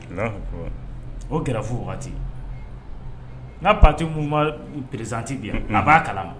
O grève wagati n ka partie mun ka président bin na , a ba kalama.